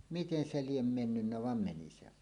miten se lie mennyt vaan meni se vain